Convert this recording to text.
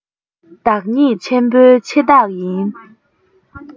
བདག ཉིད ཆེན པོའི ཆེ རྟགས ཡིན